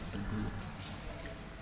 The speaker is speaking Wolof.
dañ koy wut